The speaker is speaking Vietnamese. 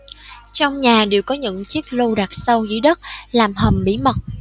trong nhà đều có những chiếc lu đặt sâu dưới đất làm hầm bí mật